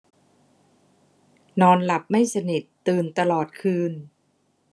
นอนหลับไม่สนิทตื่นตลอดคืน